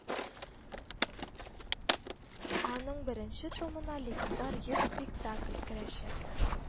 Аның беренче томына легендар йөз спектакль керәчәк